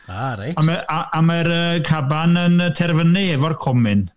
A reit... A mae a a mae'r yy caban yn yy terfynu efo'r comin.